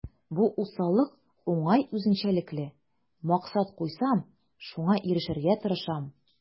Бу усаллык уңай үзенчәлекле: максат куйсам, шуңа ирешергә тырышам.